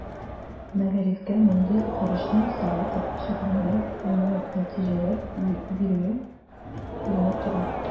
Мәгарифкә мондый карашның Саратов шәһәрендә уңай нәтиҗәләр бирүе күренеп тора.